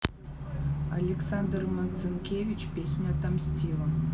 александр марцинкевич песня отомстила